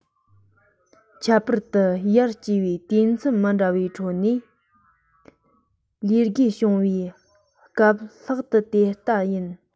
ཁྱད པར དུ ཡར སྐྱེ བའི དུས མཚམས མི འདྲ བའི ཁྲོད ནས ལས བགོས བྱུང བའི སྐབས ལྷག ཏུ དེ ལྟ རེད